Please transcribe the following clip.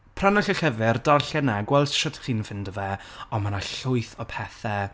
Prynwch y llyfr, darllen e, gweld shwt chi'n ffindo fe ond ma' 'na llwyth o pethe,